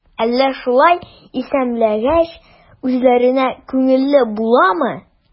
Әллә шулай исемләгәч, үзләренә күңелле буламы?